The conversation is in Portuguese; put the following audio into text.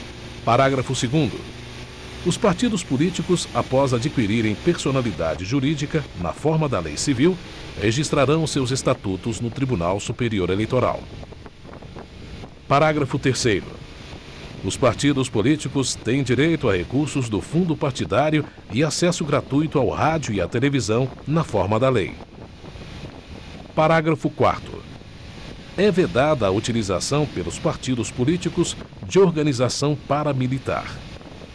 parágrafo segundo os partidos políticos após adquirirem personalidade jurídica na forma da lei civil registrarão seus estatutos no tribunal superior eleitoral parágrafo terceiro os partidos políticos têm direito a recursos do fundo partidário e acesso gratuito ao rádio e à televisão na forma da lei parágrafo quarto é vedada a utilização pelos partidos políticos de organização paramilitar